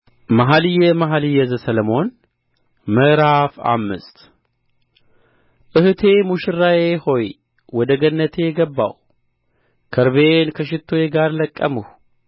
መኃልየ መኃልይ ዘሰሎሞን ምዕራፍ አምስት እኅቴ ሙሽራዬ ሆይ ወደ ገነቴ ገባሁ ከርቤዬን ከሽቱዬ ጋር ለቀምሁ